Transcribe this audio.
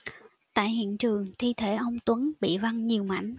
tại hiện trường thi thể ông tuấn bị văng nhiều mảnh